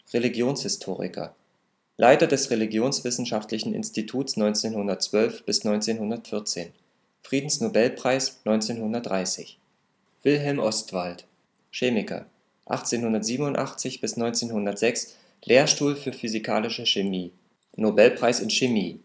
Religionshistoriker, Leiter des Religionswissenschaftlichen Instituts 1912 – 1914, Friedensnobelpreis 1930 Wilhelm Ostwald, Chemiker, 1887 – 1906 Lehrstuhl für physikalische Chemie, Nobelpreis in Chemie